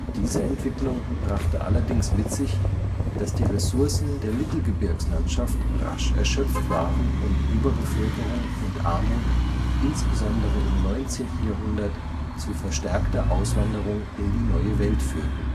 Diese Entwicklung brachte allerdings mit sich, dass die Ressourcen der Mittelgebirgslandschaft rasch erschöpft waren und Überbevölkerung und Armut insbesondere im 19. Jahrhundert zu verstärkter Auswanderung in die Neue Welt führten